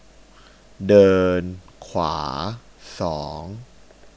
เดินขวาสอง